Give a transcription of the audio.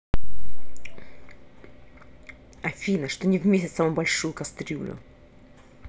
афина что не в месяц самую большую кастрюлю